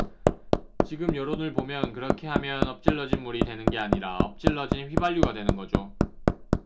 지금 여론을 보면 그렇게 하면 엎질러진 물이 되는 게 아니라 엎질러진 휘발유가 되는 거죠